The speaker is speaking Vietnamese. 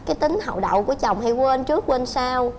cái tính hậu đậu của chồng hay quên trước quên sau